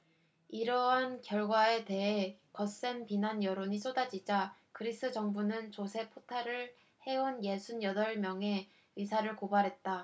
이러한 결과에 대해 거센 비난 여론이 쏟아지자 그리스 정부는 조세 포탈을 해온 예순 여덟 명의 의사를 고발했다